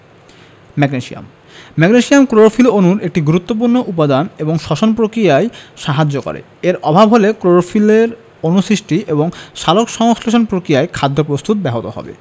magnesium magnesium chlorophyll অণুর একটি গুরুত্বপুর্ণ উপাদান এবং শ্বসন প্রক্রিয়ায় সাহায্য করে এর অভাব হলে ক্লোরোফিল অণু সৃষ্টি এবং সালোকসংশ্লেষণ প্রক্রিয়ায় খাদ্য প্রস্তুত ব্যাহত হবে